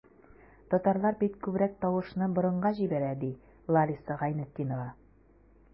Татарлар бит күбрәк тавышны борынга җибәрә, ди Лариса Гайнетдинова.